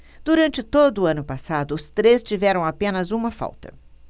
durante todo o ano passado os três tiveram apenas uma falta